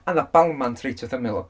Oedd 'na balmant reit wrth ymyl o.